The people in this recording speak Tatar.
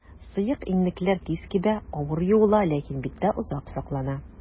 Сыек иннекләр тиз кибә, авыр юыла, ләкин биттә озак саклана.